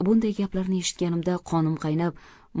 bunday gaplarni eshitganimda qonim qaynab